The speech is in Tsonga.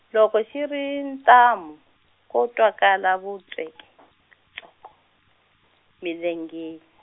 loko xi ri thamu, ko twakala vutsweke tswoke, milengeni.